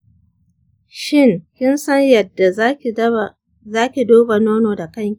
shin kin san yadda zaki duba nono da kanki?